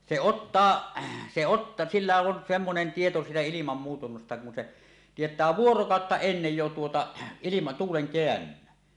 se ottaa se - sillä on semmoinen tieto siitä ilman muutunnasta kun se tietää vuorokautta ennen jo tuota - tuulen kääntymisen